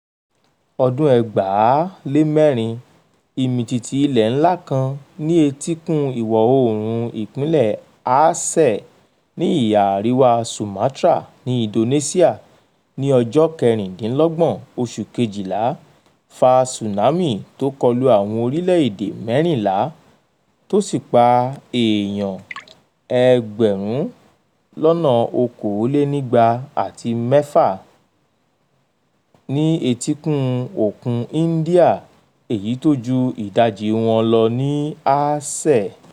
2004: Ìmìtìtì ilẹ̀ ńlá kan ní etíkun ìwọ̀-oòrùn ìpínlẹ̀ Aceh ní ìhà àríwá Sumatra ní Indonesia ní ọjọ́ 26 oṣù kejìlà fa tsunami tó kọlu àwọn orílẹ̀-èdè 14, tó sì pa ènìyàn 226,000 ní etíkun Òkun Íńdíà, èyí tó ju ìdajì wọn lọ ní Aceh.